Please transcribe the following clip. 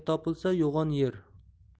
topilsa yo'g'on yer